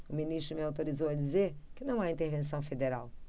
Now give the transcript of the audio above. o ministro me autorizou a dizer que não há intervenção federal